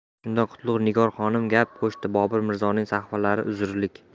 shunda qutlug' nigor xonim gap qo'shdi bobur mirzoning sahvlari uzrlik